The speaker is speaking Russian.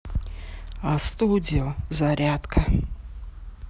а студио зарядка